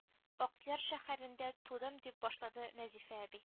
Акъяр шәһәрендә тудым дип башлады нәзифә әби